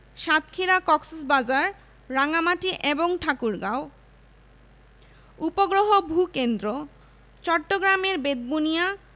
উদ্ভিদঃ মোট প্রায় ৬ হাজার প্রজাতির উদ্ভিদ রয়েছে এর মধ্যে প্রায় ৫ হাজার প্রজাতি সপুষ্পক